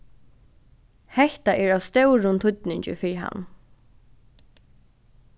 hetta er av stórum týdningi fyri hann